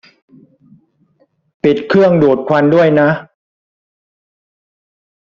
ปิดเครื่องดูดควันด้วยนะ